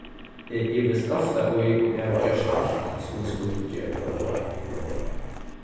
eg ivist ofta í um eg havi gjørt alt sum eg skuldi gera